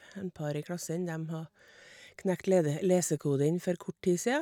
En par i klassen dem har knekt lede lesekoden for kort tid sia.